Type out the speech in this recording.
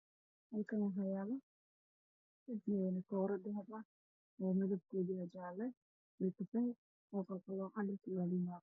Halkaan waxaa yaalo dhago iyo kooro dahab ah midabkeedu wa jaalle iyo kafay oo qal qaloocan.